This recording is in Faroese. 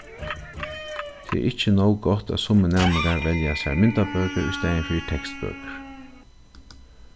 tað er ikki nóg gott at summir næmingar velja sær myndabøkur í staðin fyri tekstbøkur